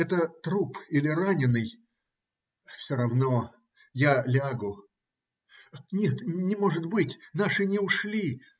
Это - труп или раненый Все равно, я лягу. Нет, не может быть! Наши не ушли.